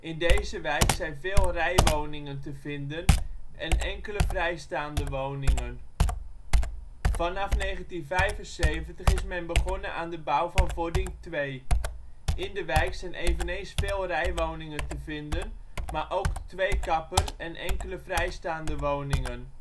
In deze wijk zijn veel rijwoningen te vinden en enkele vrijstaande woningen. Vanaf 1975 is men begonnen aan de bouw van Vording 2. In de wijk zijn eveneens veel rijwoningen te vinden, maar ook twee-kapper en enkele vrijstaande woningen